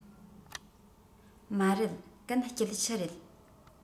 མ རེད གན སྐྱིད ཆུ རེད